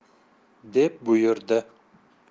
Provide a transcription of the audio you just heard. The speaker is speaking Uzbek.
deb buyurdi